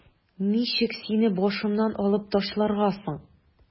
Ничек сине башымнан алып ташларга соң?